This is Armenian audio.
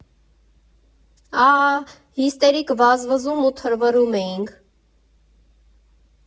Աաաա՜, հիստերիկ վազվզում ու թռվռում էինք։